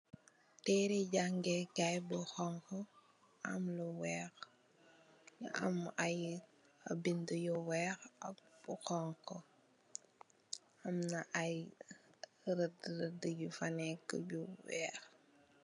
Tereeh jàngeekaay bu honku mu am lu weeh, mu am ay bind yu weeh ak bu honku. Amna ay rëd-rëd yu nekka yu weeh.